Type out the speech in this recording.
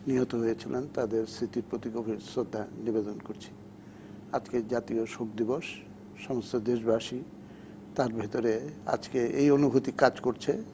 নিহত হয়েছিলেন তাদের স্মৃতির প্রতি গভীর শ্রদ্ধা নিবেদন করছি আজকে জাতীয় শোক দিবস সমস্ত দেশবাসী তার ভেতরে আজকে এই অনুভূতি কাজ করছে